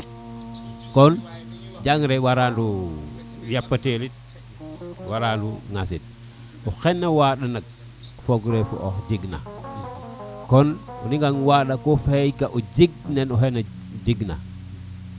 kon jangre warano yapatelit wara ndo ŋasit oxe na wanda nak fogre fo oxe jeg na kon nigan waɗa ko fexey ka o jeg neno xene jeg na